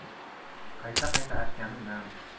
qayta qayta artgani